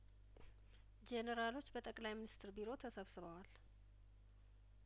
ጄኔራሎች በጠክለይ ሚንስትር ቢሮ ተሰብስበዋል